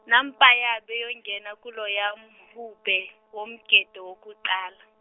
nampaya beyongena kuloya mhubhe, womgede wokuqala.